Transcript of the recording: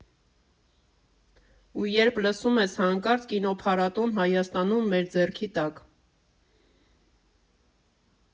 Ու երբ լսում ես հանկարծ կինոփառատո՜ն, Հայաստանու՜մ, մեր ձեռքի տա՜կ…